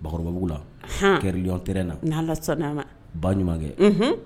Bakɔrɔbabugula; Anhan; cœur lion terrain ; N'a Ala sɔnna ma; Ba ɲumankɛ; Unhun.